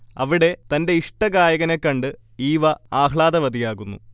അവിടെ തന്റെ ഇഷ്ടഗായകനെ കണ്ട് ഈവ ആഹ്ലാദവതിയാകുന്നു